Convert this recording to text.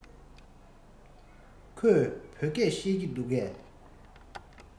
ཁོས བོད སྐད ཤེས ཀྱི འདུག གས